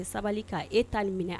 Sabali k' e t'a minɛ